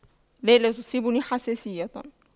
لا لا تصيبني حساسية